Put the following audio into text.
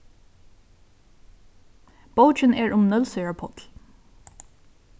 bókin eru um nólsoyar páll